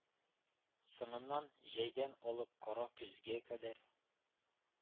Соңыннан җәйдән алып кара көзгә кадәр